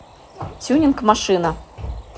тюнинг машина